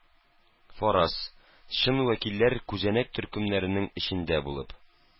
Фараз - чын вәкилләр күзәнәк төркемнәренең эчендә булып...